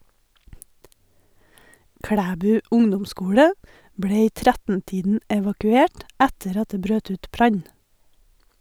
Klæbu ungdomsskole ble i 13-tiden evakuert etter at det brøt ut brann.